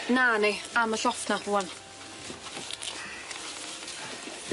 Na nei, am y lloff na rŵan.